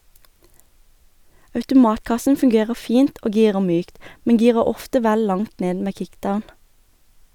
Automatkassen fungerer fint og girer mykt, men girer ofte vel langt ned med kickdown.